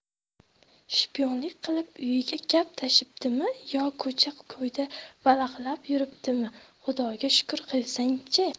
shpionlik qilib uyiga gap tashibdimi yo ko'cha ko'yda valaqlab yuribdimi xudoga shukr qilsang chi